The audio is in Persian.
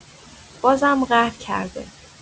بازم قهر کرده.